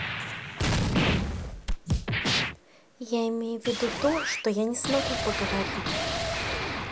я имею ввиду то что я не смогу поговорить